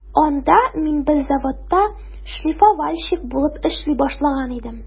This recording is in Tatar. Анда мин бер заводта шлифовальщик булып эшли башлаган идем.